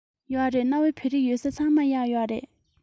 ཡོད རེད གནའ བོའི བོད རིགས ཡོད ས ཚང མར གཡག ཡོད རེད